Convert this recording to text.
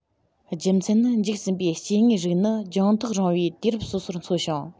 རྒྱུ མཚན ནི འཇིག ཟིན པའི སྐྱེ དངོས རིགས ནི རྒྱང ཐག རིང བའི དུས རབས སོ སོར འཚོ ཞིང